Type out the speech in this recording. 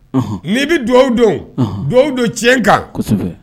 Nii bɛ dugawu don dugawu don ti kan